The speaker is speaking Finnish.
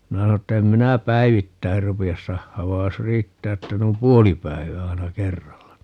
minä sanoin että en minä päivittäin rupea sahaamaan vaan jos riittää että noin puoli päivää aina kerralla niin